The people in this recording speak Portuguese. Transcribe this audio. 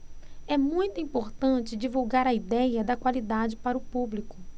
é muito importante divulgar a idéia da qualidade para o público